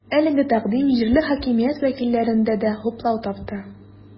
Әлеге тәкъдим җирле хакимият вәкилләрендә дә хуплау тапты.